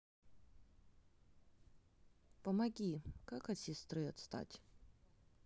помоги как от сестры отстать